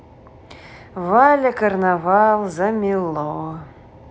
валя карнавал замело